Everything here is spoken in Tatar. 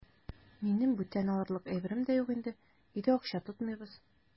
Минем бүтән алырлык әйберем дә юк инде, өйдә акча тотмыйбыз.